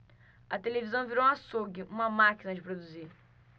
a televisão virou um açougue uma máquina de produzir